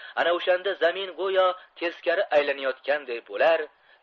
ana o'shanda zamin go'yo teskari aylanayotganday bo'lar